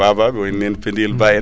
babaɓe wayno nene Pendayel Ba en